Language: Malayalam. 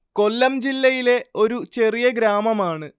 കൊല്ലം ജില്ലയിലെ ഒരു ചെറിയ ഗ്രാമമാണ്